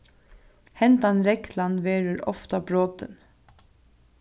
hendan reglan verður ofta brotin